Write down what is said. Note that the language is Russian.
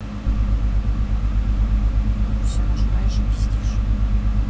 все нажимаешь и пиздишь